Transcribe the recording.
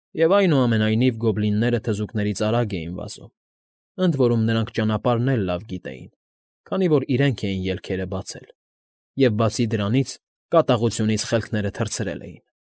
Եվ, այնուամենայնիվ, գոբլինները թզուկներից արագ էին վազում, ընդ որում նրանք ճանապարհն էլ ավելի լավ գիտեին, քանի որ իրենք էին ելքերը բացել և, բայցի դրանից, կատաղությունից խելքները թռցրել էին։